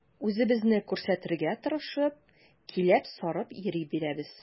Үзебезне күрсәтергә тырышып, киләп-сарып йөри бирәбез.